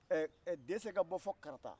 ɛɛ dɛsɛ ka bɔ fɔ karita